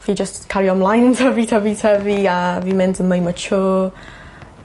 Fi jyst cario mlaen tyfu tyfu tyfu a fi'n mynd yn mwy mature.